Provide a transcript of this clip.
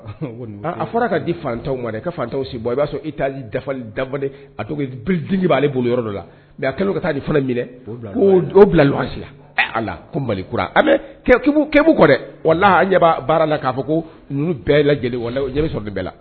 A fɔra ka di fantanw ma ka fatanw si bɔ i b'a sɔrɔ i t'li dafali da b'ale bolo yɔrɔ dɔ la mɛ ka taa fana minɛ bila ɲɔgɔnsi ko malikura kɔ dɛ wala an ɲɛ baara la k'a fɔ ko ninnu bɛɛ lajɛ sɔrɔ de bɛɛ la